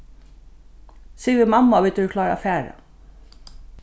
sig við mammu at vit eru klár at fara